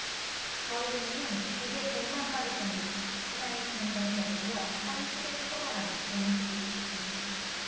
가위개미는 대개 백만 마리 정도가 하나의 공동체를 이루어 땅 속에 커다란 개미집을 짓고 삽니다